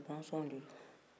arabu bɔnsɔnw de don